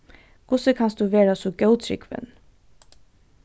hvussu kanst tú vera so góðtrúgvin